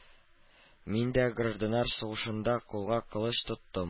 Мин дә гражданнар сугышында кулга кылыч тоттым